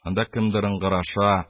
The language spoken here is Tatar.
Анда кемдер ыңгыраша,